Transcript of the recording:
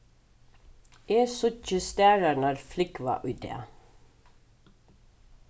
eg síggi stararnar flúgva í dag